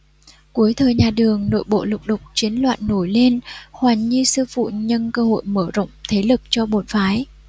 cuối thời nhà đường nội bộ lục đục chiến loạn nổi lên hoàng nhi sư phụ nhân cơ hội mở rộng thế lực cho bổn phái